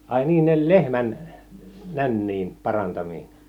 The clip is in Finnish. ai niin ne lehmän nännien parantaminen